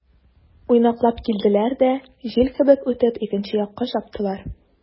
Уйнаклап килделәр дә, җил кебек үтеп, икенче якка чаптылар.